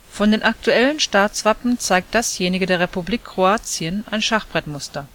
Von den aktuellen Staatswappen zeigt dasjenige der Republik Kroatien ein Schachbrettmuster